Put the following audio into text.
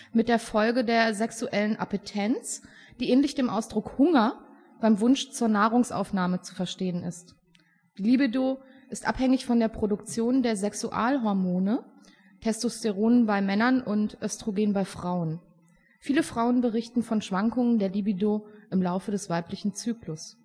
mit der Folge der „ sexuellen Appetenz “, die ähnlich dem Ausdruck „ Hunger “beim Wunsch zur Nahrungsaufnahme zu verstehen ist. Die Libido ist abhängig von der Produktion der Sexualhormone (Testosteron bei Männern und Östrogen bei Frauen). Viele Frauen berichten von Schwankungen der Libido im Laufe des weiblichen Zyklus